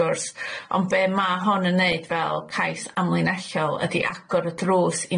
gwrs ond be' ma' hon yn neud fel cais amlinellol ydi agor y drws